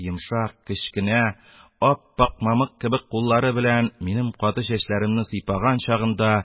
Йомшак, кечкенә, ап-ак мамык кебек куллары белән минем каты чәчләремне сыйпаган чагында